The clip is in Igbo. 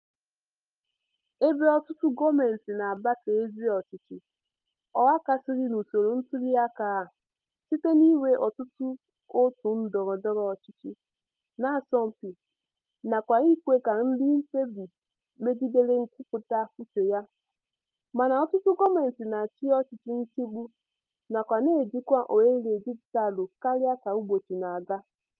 Ebe ọtụtụ gọọmentị na-agbaso ezi ọchịchị ọhakarasị n'usoro ntuliaka ha site n'inwe ọtụtụ òtù ndọrọndọrọ ọchịchị na-asọmpi nakwa ikwe ka ndị mkpebi megidere kwupụta uche ha, mana ọtụtụ gọọmentị na-achị ọchịchị nchịgbu — nakwa na-ejikwa ohere dijitaalụ karịa ka ụbọchị na-aga.